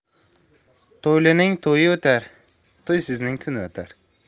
to'ylining to'yi o'tar to'ysizning kuni o'tar